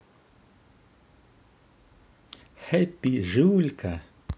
happy жулька